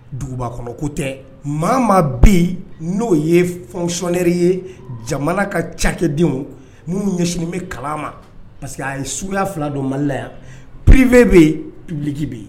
Dugubakɔnɔko tɛ maa o maa bɛ yen n'o ye fonctionnaire ye jamana ka cakɛdenw minnu ɲɛsin bɛ kalan ma parce que a suguya fila don Mali la yan privé bɛ yen publique bɛ yen